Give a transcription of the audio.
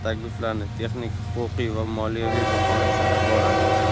takliflarni texnik huquqiy va moliyaviy baholashdan iborat